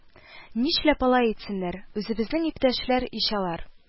Нишләп алай итсеннәр, үзебезнең иптәшләр ич алар